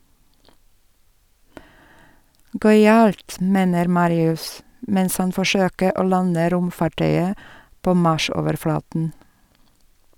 - Gøyalt, mener Marius, mens han forsøker å lande romfartøyet på Mars-overflaten.